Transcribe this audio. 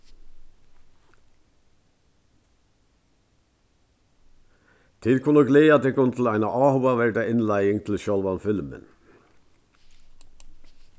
tit kunnu gleða tykkum til eina áhugaverda innleiðing til sjálvan filmin